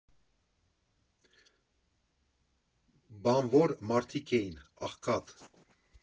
Բանվոր մարդիկ էին, աղքատ։